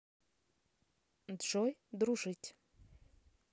джой дружить